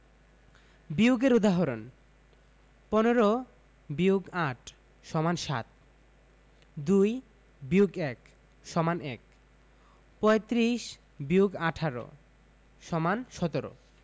বিয়োগের উদাহরণঃ ১৫ – ৮ = ৭ ২ - ১ =১ ৩৫ – ১৮ = ১৭